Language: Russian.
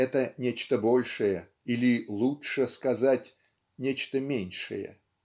это - нечто большее, или, лучше сказать, нечто меньшее.